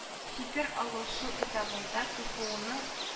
Фикер алышу этабында кфуның